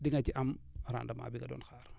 di nga ci am rendement bi nga doon xaar